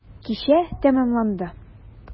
Кичә тәмамланды.